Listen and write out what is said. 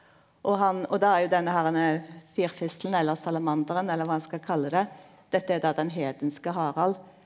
og han og då er jo denne herne firfisla eller salamanderen eller kva ein skal kalle det dette er då den heidenske Harald.